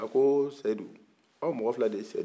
ko sedu aw mɔgɔ fila de ye sedu ye